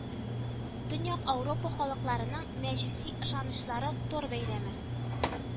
Төньяк Ауропа халыкларның мәҗүси ышанычлары Тор бәйрәме